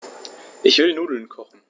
Ich will Nudeln kochen.